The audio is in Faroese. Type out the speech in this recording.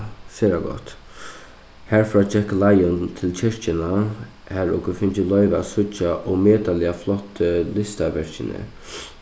sera gott harfrá gekk leiðin til kirkjuna har okur fingu loyvi at síggja ómetaliga flottu listaverkini